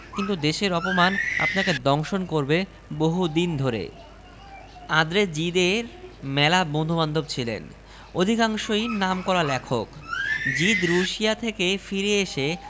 সেইটে আমি বিচক্ষণ জনের চক্ষু গোচর করতে চাই ধনীর মেহন্নতের ফল হল টাকা সে ফল যদি কেউ জ্ঞানীর হাতে তুলে দেয়